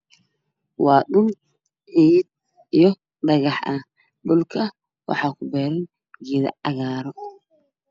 Waa dhul leh geedo iyo dhagaxaan dhulka waxaa ku beeran geedo cagaaran